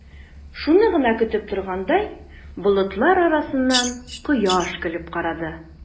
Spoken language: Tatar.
Шуны гына көтеп торгандай, болытлар арасыннан кояш көлеп карады.